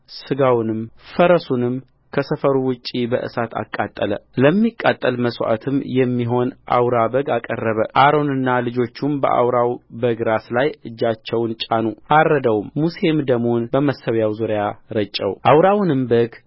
ሥጋውንም ፈርሱንም ከሰፈሩ ውጭ በእሳት አቃጠለለሚቃጠል መሥዋዕትም የሚሆን አውራ በግ አቀረበ አሮንና ልጆቹም በአውራው በግ ራስ ላይ እጆቻቸውን ጫኑአረደውም ሙሴም ደሙን በመሠዊያው ዙሪያ ረጨውአውራውንም በግ